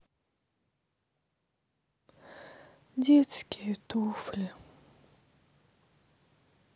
детские туфли